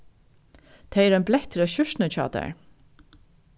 tað er ein blettur á skjúrtuni hjá tær